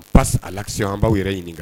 Parce a lasi an b'aw yɛrɛ ɲini kan